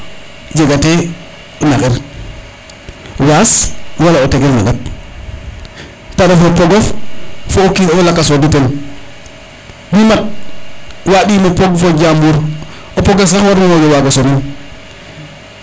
jega te naxir waax wala o tegel na ndat te ref o pogof fo o kino lakas fodu ten mi mat wandimo pog fo jambur poges sax warmo waro wago sonil